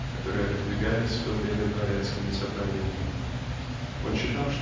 которые выдвигались в то время дворянскими собраниями он считал